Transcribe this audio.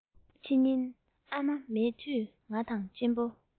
ཕྱི ཉིན ཨ མ མེད དུས ང དང གཅེན པོ